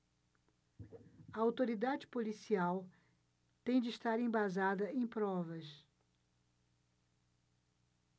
a autoridade policial tem de estar embasada em provas